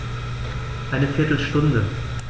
Eine viertel Stunde